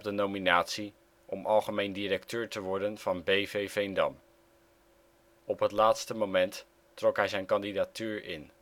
nominatie om algemeen directeur te worden van BV Veendam. Op het laatste moment trok hij zijn kandidatuur in